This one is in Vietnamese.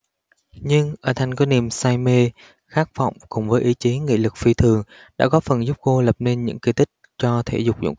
nhưng ở thanh có niềm say mê khát vọng cùng với ý chí nghị lực phi thường đã góp phần giúp cô lập nên những kỳ tích cho thể dục dụng